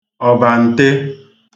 ọ̀bàǹte